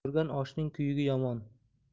ko'rgan oshning kuyugi yomon